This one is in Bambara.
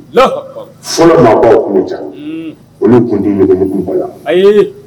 Alahu akbar, Fɔlɔmaaaw kun janto, olu kun tɛ bɔ